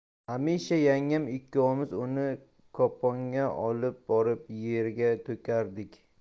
hamisha yangam ikkovimiz uni kopponga olib borib yerga to'kardik